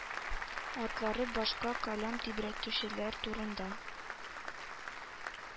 Атлары, башка каләм тибрәтүчеләр турында